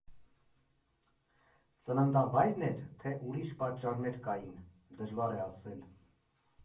Ծննդավա՞յրն էր, թե՞ ուրիշ պատճառներ կային՝ դժվար է ասել։